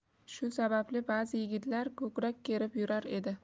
shu sababli ba'zi yigitlar ko'krak kerib yurar edi